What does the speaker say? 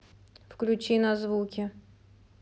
включи на звуке